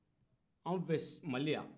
anw fɛ mali la y'an